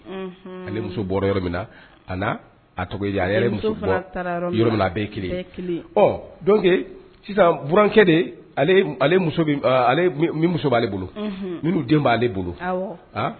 Unhun! A ni Muso bɔra yɔrɔ min na, a na tɔgɔ a yɛrɛ. A ni Muso fana taara yɔrɔ min. A bɛ ye kelen ye. . Ɔ donc sisan, burankɛ de, ale ale muso, min muso b'a bolo. Unhun! Minnu den b'a ale bolo. Awɔ! An!